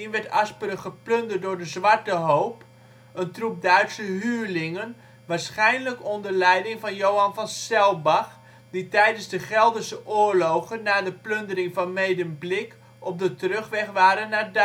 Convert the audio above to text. werd Asperen geplunderd door de ' Zwarte Hoop ', een troep Duitse huurlingen, waarschijnlijk onder leiding van Johan van Selbach, die tijdens de Gelderse oorlogen na de plundering van Medemblik op de terugweg waren naar Duitsland